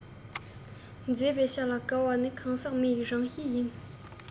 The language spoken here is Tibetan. མཛེས པའི ཆ ལ དགའ བ ནི གང ཟག མི ཡི རང གཤིས ཡིན